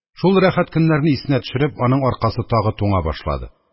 Шул рәхәт көннәрне исенә төшереп, аның аркасы тагы туңа башлады.